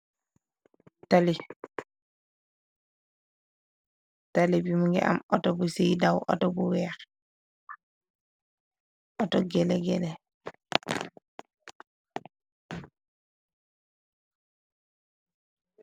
Tali talibimu ngi am atobusiy daw atobuweex auto geelegeele.